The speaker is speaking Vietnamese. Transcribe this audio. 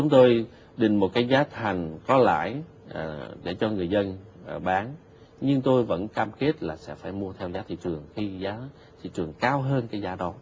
chúng tôi định một cái giá thành có lãi à để cho người dân bán nhưng tôi vẫn cam kết là sẽ phải mua theo giá thị trường khi giá thị trường cao hơn cái giá đó